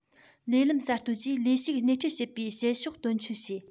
ལས ལམ གསར གཏོད ཀྱིས ལས ཞུགས སྣེ ཁྲིད བྱེད པའི བྱེད ཕྱོགས དོན འཁྱོལ བྱས